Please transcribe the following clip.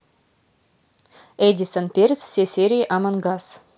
эдисон перец все серии амонг ас